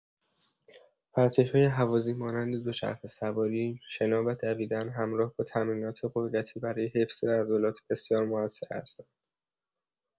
ورزش‌های هوازی مانند دوچرخه‌سواری، شنا و دویدن همراه با تمرینات قدرتی برای حفظ عضلات بسیار موثر هستند.